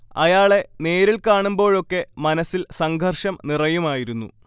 അയാളെ നേരിൽ കാണുമ്പോഴൊക്കെ മനസ്സിൽ സംഘര്ഷം നിറയുമായിരുന്നു